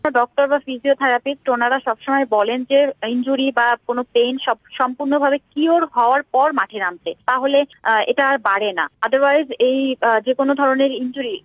doctor বা ফিজিওথেরাপিস্টরা উনারা সব সময় বলেন যে ইনজুরি বা কোন পেইন সম্পূর্ণভাবে কিওর হওয়ার পর মাঠে নামতে তাহলে তারা এটা আর বাড়ে না আদারওয়াইজ এই যে কোন ধরনের ইনজুরি